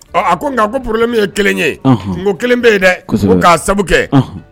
A nka ko purlenmu ye kelen ye n ko kelen bɛ yen dɛ k' sabu kɛ